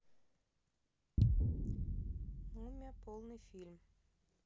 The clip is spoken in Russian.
мумия полный фильм